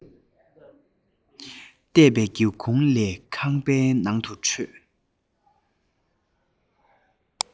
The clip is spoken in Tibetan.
གཏད པའི སྒེའུ ཁུང ལས ཁང པའི ནང དུ འཕྲོས